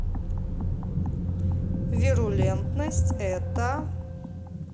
вирулентность это